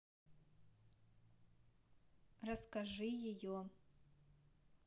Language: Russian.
расскажи ее